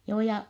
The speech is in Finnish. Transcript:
joo ja